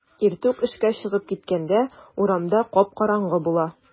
Иртүк эшкә чыгып киткәндә урамда кап-караңгы була.